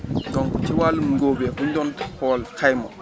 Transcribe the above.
donc ci wàllum ngóobeef bu ñu doon xool xayma